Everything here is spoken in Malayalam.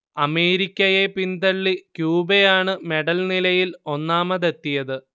അമേരിക്കയെ പിന്തള്ളി ക്യൂബയാണ് മെഡൽനിലയിൽ ഒന്നാമതെത്തിയത്